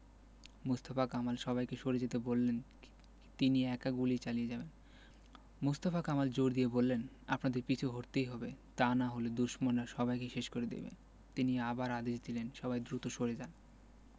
মোস্তফা কামাল সবাইকে সরে যেতে বললেন তিনি একা গুলি চালিয়ে যাবেন মোস্তফা কামাল জোর দিয়ে বললেন আপনাদের পিছু হটতেই হবে তা না হলে দুশমনরা সবাইকে শেষ করে দেবে তিনি আবার আদেশ দিলেন সবাই দ্রুত সরে যান